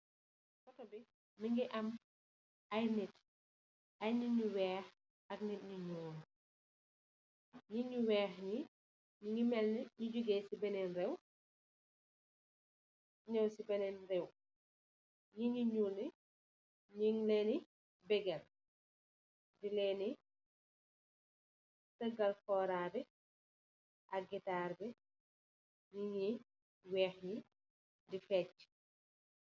Otto bi, mu ngi am ay nit. Ay nit ñu weex ak nit ñu ñuul. Nit ñu weex ñi, ñu ngi mel ni ñu joogé si benen reew ñow si benen reew. Nit nu ñuul yi, ñuñ leen di begal, di leen tëgël koora bi ak gitaar bi, nit ñu weex ñi, di feexë.